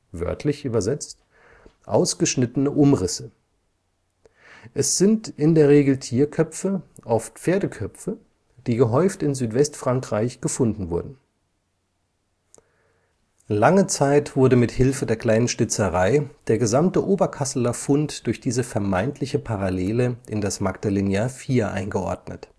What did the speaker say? wörtlich übersetzt: „ ausgeschnittene Umrisse “) bezeichnet. Es sind in der Regel Tierköpfe, oft Pferdeköpfe, die gehäuft in Südwestfrankreich gefunden wurden. Lange Zeit wurde mit Hilfe der kleinen Schnitzerei der gesamte Oberkasseler Fund durch diese vermeintliche Parallele in das Magdalénien IV eingeordnet